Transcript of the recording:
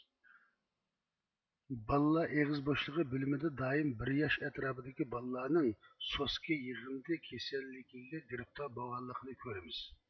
بالىلار ئېغىز بوشلۇقى بۆلۈمىدە دائىم بىر ياش ئەتراپىدىكى بالىلارنىڭ سوسكا يىغىندى كېسەللىكىگە گىرىپتار بولغانلىقىنى كۆرىمىز